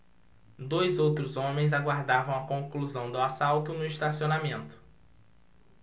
dois outros homens aguardavam a conclusão do assalto no estacionamento